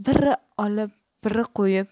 biri olib biri qo'yib